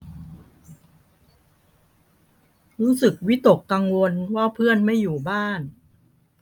รู้สึกวิตกกังวลว่าเพื่อนไม่อยู่บ้าน